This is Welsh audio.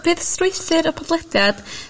bydd strwythur y podlediad